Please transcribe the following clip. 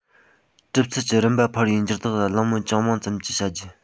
གྲུབ ཚུལ གྱི རིམ པ འཕར བའི འགྱུར ལྡོག ལ གླེང མོལ ཅུང མང ཙམ བགྱི རྒྱུ བྱ